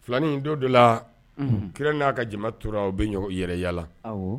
Filanin don dɔ la, unhun, kira n'a ka jama tora u bɛ ɲɔ yɛrɛla, awɔ.